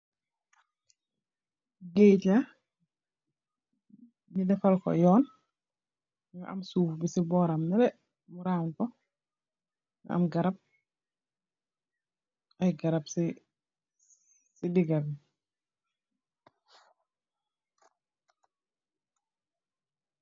Geeg la nyu defal ko yoon mu am suuf bi ci booram fele mu raaw ko am garab ay garab ci diga bi.